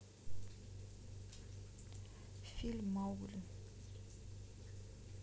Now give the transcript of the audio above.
фильм маугли